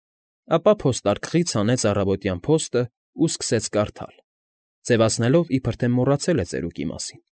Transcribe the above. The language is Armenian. Ապա փոստարկղից հանեց առավոտյան փոստն ու սկսեց կարդալ՝ ձևացնելով, իբրև թե մոռացել է ծերուկի մասին։